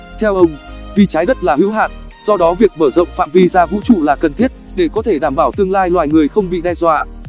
theo ông vì trái đất là hữu hạn do đó việc mở rộng phạm vi ra vũ trụ là cần thiết để có thể đảm bảo tương lai loài người không bị đe dọa